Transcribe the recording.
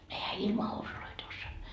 enhän ilman housuja osaa